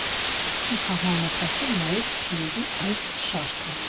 Չի սահմանափակվում նաև փիների այս շարքը։